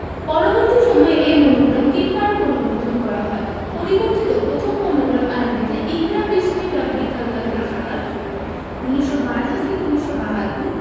পরবর্তী সময়ে এ মনোগ্রাম তিনবার পরিবর্তন করা হয় পরিবর্তিত প্রথম মনোগ্রামে আরবিতে ইকরা বিস্মে রাবিবকাল লাজি খালাক্ক ১৯৫২ থেক্র ১৯৭২